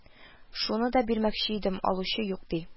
– шуны да бирмәкче идем, алучы юк, – ди